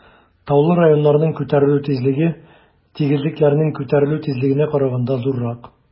Таулы районнарның күтәрелү тизлеге тигезлекләрнең күтәрелү тизлегенә караганда зуррак.